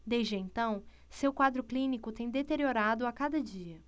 desde então seu quadro clínico tem deteriorado a cada dia